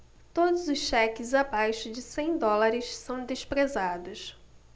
todos os cheques abaixo de cem dólares são desprezados